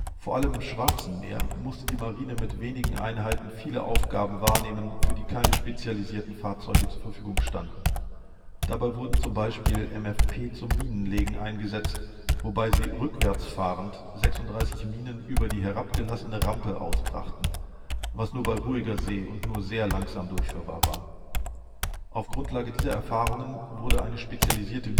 Vor allem im Schwarzen Meer musste die Marine mit wenigen Einheiten viele Aufgaben wahrnehmen, für die keine spezialisierten Fahrzeuge zur Verfügung standen. Dabei wurden z. B. MFP zum Minenlegen eingesetzt, wobei sie rückwärts fahrend 36 Minen über die herabgelassene Rampe ausbrachten, was nur bei ruhiger See und nur sehr langsam durchführbar war. Auf Grundlage dieser Erfahrungen wurde eine spezialisierte